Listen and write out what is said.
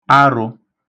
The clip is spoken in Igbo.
arụ̄